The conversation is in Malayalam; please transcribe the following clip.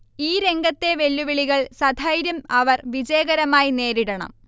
ഈ രംഗത്തെ വെല്ലുവിളികൾ സധൈര്യം അവർ വിജയകരമായി നേരിടണം